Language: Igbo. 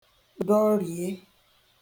dọriè